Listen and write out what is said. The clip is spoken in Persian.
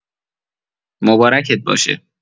مبارکت باشه